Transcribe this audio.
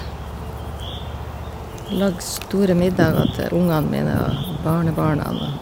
Lage store middager til ungene mine og barnebarna og...